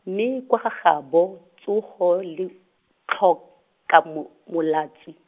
mme kwa gagabo, tsogo le, tlhoka mo- molatswi.